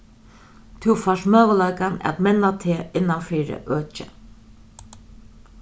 tú fært møguleikan at menna teg innan fyri økið